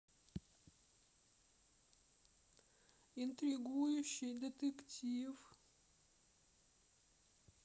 интригующий детектив